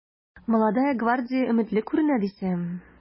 “молодая гвардия” өметле күренә дисәм...